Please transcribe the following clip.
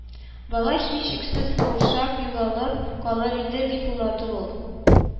Бала һичшиксез каушап, югалып калыр иде дип уйлады ул